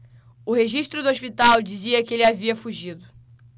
o registro do hospital dizia que ele havia fugido